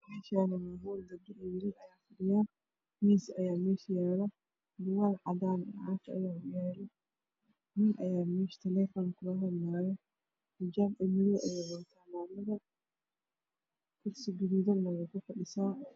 Meeshaan waa hool wiilal ayaa fadhiyaan miis ayaa meesha yaalo caagado caafi ah ayaa yaalo. Wiil ayaa taleefon kuhadlaayo maamaduna xijaab madow ayay wadataa kursi gaduudana way kufadhisaa.